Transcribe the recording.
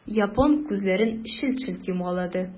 Япон күзләрен челт-челт йомгалады.